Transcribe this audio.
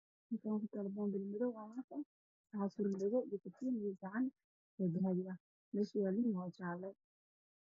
Hal kaani waxaa yaalo bonbalo madow ah waxaa suran dhego